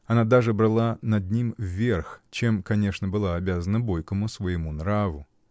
Она даже брала над ним верх, чем, конечно, была обязана бойкому своему нраву.